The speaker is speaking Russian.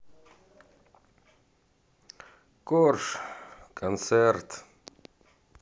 корж концерт